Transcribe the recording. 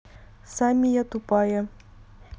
самия тупая